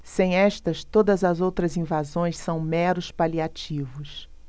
sem estas todas as outras invasões são meros paliativos